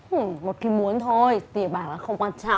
một khi muốn thôi tiền bạc là không quan trọng